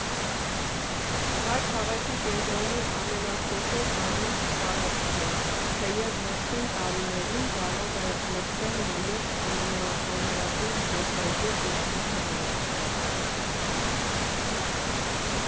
Սա քաղաքի կենտրոնի ամենախոշոր կանաչ տարածքն է, թեև վերջին տարիներին կարող է մրցել նաև ամենաանհրապույր զբոսայգու կոչման համար։